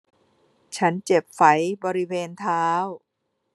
ฉันเจ็บไฝบริเวณเท้า